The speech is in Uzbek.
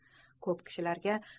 ko'p kishilarga